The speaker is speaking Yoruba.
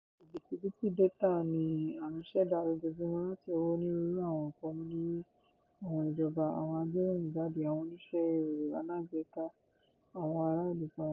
Òbítíbitì dátà ni à ń ṣẹ̀dá lójoojúmọ́, láti ọwọ́ onírúurú àwọn òpómúléró: àwọn ìjọba, àwọn agbéròyìnjáde, àwọn oníṣẹ́ ẹ̀rọ alágbèéká, àwọn ará-ìlú fúnra wọn.